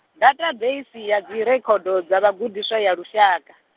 dathabeisi ya dzirekhodo dza vhagudiswa ya lushaka.